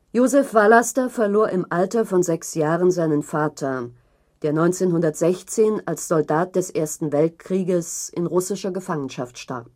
Josef Vallaster verlor im Alter von sechs Jahren seinen Vater, der 1916 als Soldat des Ersten Weltkrieges in russischer Gefangenschaft starb